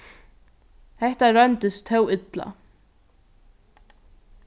hetta royndist tó illa